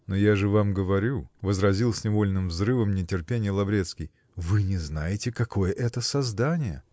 -- Но я же вам говорю, -- возразил с невольным взрывом нетерпенья Лаврецкий, -- вы не знаете, какое это создание!